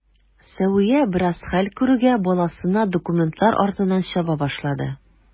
Сәвия, бераз хәл керүгә, баласына документлар артыннан чаба башлады.